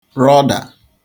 rọdà